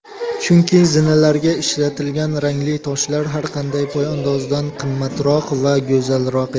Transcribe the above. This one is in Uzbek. chunki zinalarga ishlatilgan rangli toshlar har qanday poyandozdan qimmatroq va go'zalroq edi